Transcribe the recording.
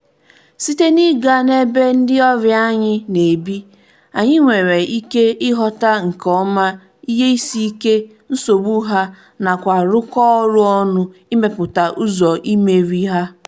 Site n'ịga n'ebe ndị ọrịa anyị na-ebi, anyị nwere ike ịghọta nke ọma ihe isiike, nsogbu ha, nakwa rụkọ ọrụ ọnụ ịmepụta ụzọ imeri ha.